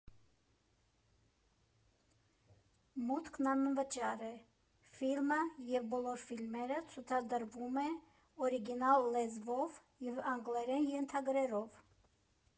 Մուտքն անվճար է, ֆիլմը (և բոլոր ֆիլմերը) ցուցադրվում է օրիգինալ լեզվով և անգլերեն ենթագրերով։